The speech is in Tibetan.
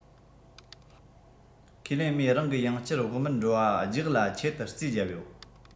ཁས ལེན མོའི རང གི ཡང བསྐྱར བག མར འགྲོ བ རྒྱག ལ ཆེད དུ རྩིས བརྒྱབ ཡོད